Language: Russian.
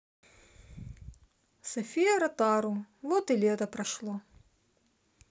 софия ротару вот и лето прошло